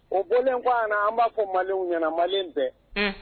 O bolen kɔ an na an b'a fɔ malien u ɲɛna malien bɛ unh